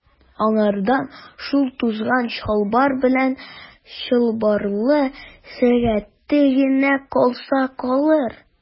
Аңардан шул тузган чалбар белән чылбырлы сәгате генә калса калыр.